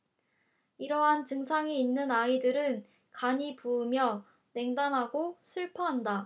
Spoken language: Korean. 이러한 증상이 있는 아이들은 간이 부으며 냉담하고 슬퍼한다